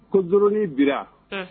Kodurunin bira